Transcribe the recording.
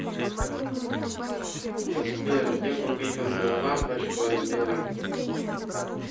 сбер где купить умную лампочку от сбера